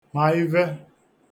ma ivē